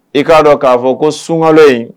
I k'a dɔn k'a fɔ ko sunkalo in